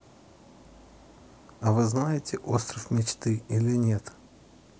а вы знаете остров мечты или нет